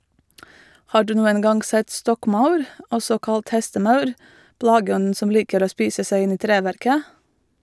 Har du noen gang sett stokkmaur , også kalt hestemaur, plageånden som liker å spise seg inn i treverket?